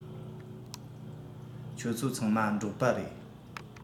ཁྱོད ཚོ ཚང མ འབྲོག པ རེད